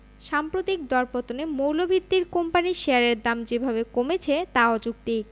সাম্প্রতিক দরপতনে মৌলভিত্তির কোম্পানির শেয়ারের দাম যেভাবে কমেছে তা অযৌক্তিক